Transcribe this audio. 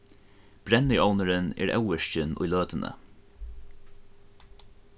brenniovnurin er óvirkin í løtuni